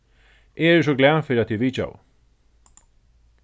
eg eri so glað fyri at tit vitjaðu